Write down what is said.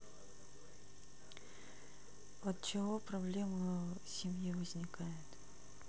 от чего проблема в семье возникает